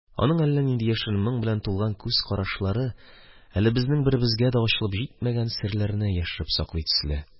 Аның әллә нинди яшерен моң белән тулган күз карашлары әле безнең беребезгә дә ачылып җитмәгән серләрне яшереп саклый төсле,